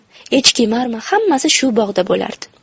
echkiemarmi hammasi shu bog'da bo'lardi